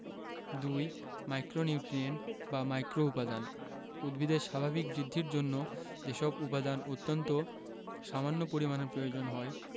২ micronutrient বা মাইক্রোউপাদান উদ্ভিদের স্বাভাবিক বৃদ্ধির জন্য যেসব উপাদান অত্যন্ত সামান্য পরিমাণে প্রয়োজন হয়